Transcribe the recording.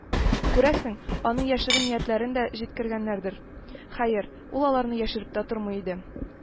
Күрәсең, аның яшерен ниятләрен дә җиткергәннәрдер, хәер, ул аларны яшереп тә тормый иде